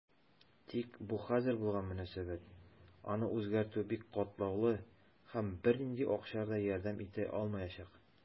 Тик бу хәзер булган мөнәсәбәт, аны үзгәртү бик катлаулы, һәм бернинди акчалар да ярдәм итә алмаячак.